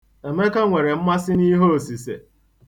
Emeka nwere mmasị n'ihe osise.